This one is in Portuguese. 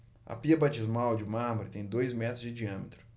a pia batismal de mármore tem dois metros de diâmetro